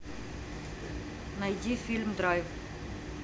найди фильм драйв